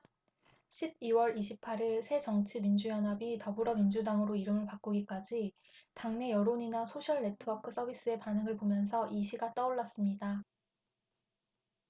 십 이 월 이십 팔 일 새정치민주연합이 더불어민주당으로 이름을 바꾸기까지 당내 여론이나 소셜네트워크서비스의 반응을 보면서 이 시가 떠올랐습니다